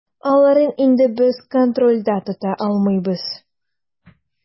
Аларын инде без контрольдә тота алмыйбыз.